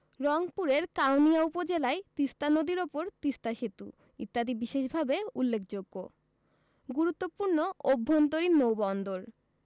রংপুরের কাউনিয়া উপজেলায় তিস্তা নদীর উপর তিস্তা সেতু ইত্যাদি বিশেষভাবে উল্লেখযোগ্য গুরুত্বপূর্ণ অভ্যন্তরীণ নৌবন্দরঃ